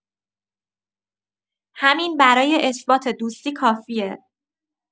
همین برای اثبات دوستی کافیه.